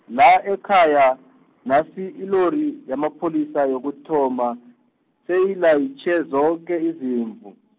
la ekhaya, nasi ilori yamapholisa yokuthoma, seyilayitjhe zoke izimvu.